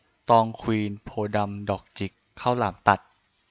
ตองควีนโพธิ์ดำดอกจิกข้าวหลามตัด